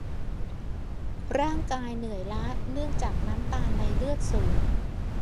ร่างกายเหนื่อยล้าเนื่องจากน้ำตาลในเลือดสูง